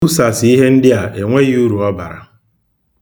Ibusasị ihe ndị a enweghị uru ọ bara.